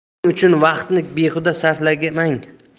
shuning uchun vaqtni behuda sarflamang